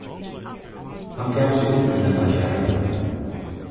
hann gav seg undir hennara sjarmu